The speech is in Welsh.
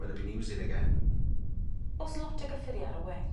Might 'ave been using again. O's lot o gyffurie ar y wing?